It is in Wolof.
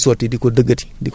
di ko jaxase daal